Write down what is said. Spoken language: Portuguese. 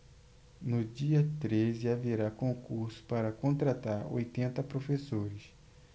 no dia treze haverá concurso para contratar oitenta professores